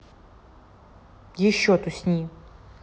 еще тусни